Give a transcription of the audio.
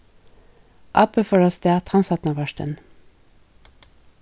abbi fór avstað tann seinnapartin